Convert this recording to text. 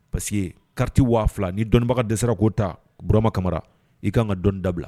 Pa parce que kariti waa fila ni dɔnniibaga dɛsɛsara koo ta burama kamara i k ka kan ka dɔnnii dabila